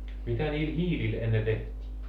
mitä niillä hiilillä ennen tehtiin